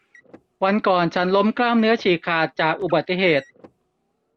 วันก่อนฉันล้มกล้ามเนื้อฉีกขาดจากอุบัติเหตุ